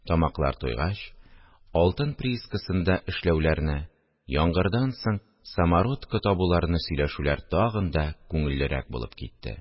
Тамаклар туйгач, алтын приискасында эшләүләрне, яңгырдан соң самородкы табуларны сөйләшүләр тагын да күңеллерәк булып китте